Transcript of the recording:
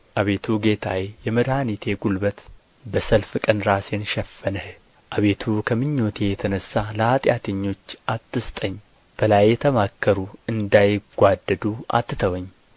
አቤቱ ጌታዬ የመድኃኒቴ ጕልበት በሰልፍ ቀን ራሴን ሸፈንህ አቤቱ ከምኞቴ የተነሣ ለኃጢአተኞች አትስጠኝ በላዬ ተማከሩ እንዳይጓደዱ አትተወኝ